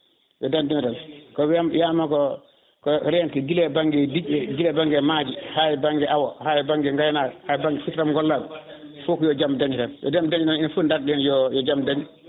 * ko wiyama ko ko rento guila banggue diƴƴe guila banggue maaje ha e banguue awa ha e banggue haynaka ha e banggue fetam gollagu foof ko yo jaam dañe tan yo jaam dañe tan enen foof daroɗen yo jaam dañe